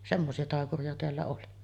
semmoisia taikureita täällä oli